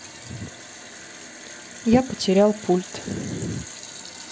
я потерял пульт